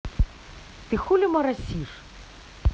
ты хули марасишь